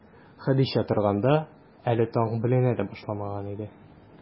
Хәдичә торганда, әле таң беленә дә башламаган иде.